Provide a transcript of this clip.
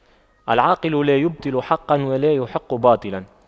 العاقل لا يبطل حقا ولا يحق باطلا